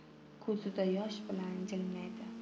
ko'zida yosh bilan jilmaydi